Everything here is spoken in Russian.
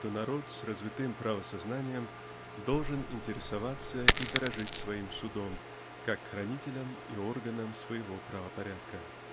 что народ с развитым правосознанием должен интересоваться и дорожить своим судом как хранителем и органом своего правопорядка.